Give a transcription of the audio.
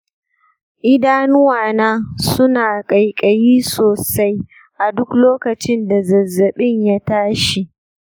idanunwa na suna kaikayi sosai a duk lokacin da zazzaɓin ya tashi.